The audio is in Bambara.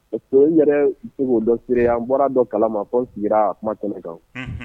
So yɛrɛ segu' dɔ siri an bɔra dɔ kala ma ko sigira a kuma tɛmɛ kan